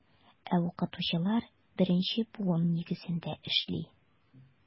Ә укытучылар беренче буын нигезендә эшли.